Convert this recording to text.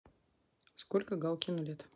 сколько галкину лет